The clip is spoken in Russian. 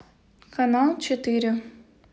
канал четыре